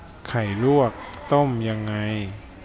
ไข่ลวกต้มยังไง